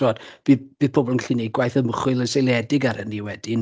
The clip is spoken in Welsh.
Tibod fydd pobl yn gallu gwneud gwaith ymchwil yn seiliedig ar hynny wedyn.